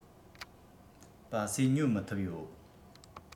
སྤ སེ ཉོ མི ཐུབ ཡོད